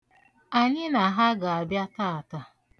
Anyị na ha ga-abịa taata.